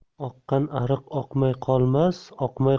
oqqan ariq oqmay qolmas oqmay